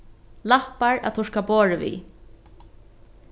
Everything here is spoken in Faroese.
lappar at turka borðið við